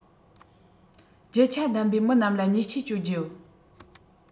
རྒྱུ ཆ གདམ པའི མི རྣམས ལ ཉེས ཆད གཅོད རྒྱུ